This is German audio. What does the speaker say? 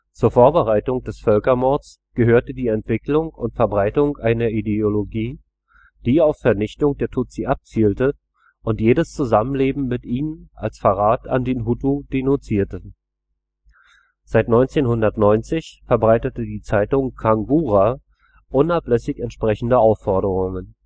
Zur Vorbereitung des Völkermords gehörte die Entwicklung und Verbreitung einer Ideologie, die auf Vernichtung der Tutsi abzielte und jedes Zusammenleben mit ihnen als Verrat an den Hutu denunzierte. Seit 1990 verbreitete die Zeitung Kangura unablässig entsprechende Aufforderungen